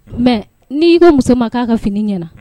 Mɛ n' i ka muso ma kan ka fini ɲɛna